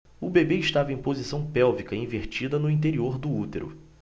o bebê estava em posição pélvica invertida no interior do útero